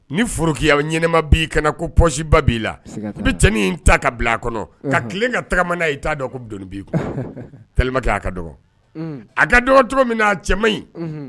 Ni furuya ɲɛnɛma b'i kana koɔsiba b'i la i bɛ tiin in ta ka bila a kɔnɔ ka tilen ka taga' t'a dɔn dɔnni'ikɛ'a ka dɔgɔ a ka dɔgɔ cogo min cɛ ɲi